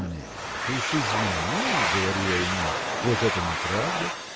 Нет, уж извини, – говорю я ему, – вот это неправда